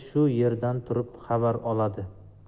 shu yerdan turib xabar oladi